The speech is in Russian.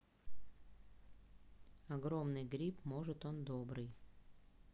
огромный гриб может он добрый